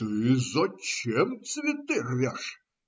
- Ты зачем цветы рвешь?